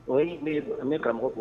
O ne ne karamɔgɔ